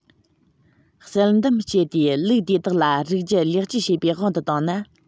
བསལ འདེམས སྤྱད དེ ལུག དེ དག ལ རིགས རྒྱུད ལེགས བཅོས བྱེད པའི དབང དུ བཏང ན